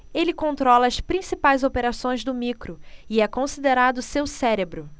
ele controla as principais operações do micro e é considerado seu cérebro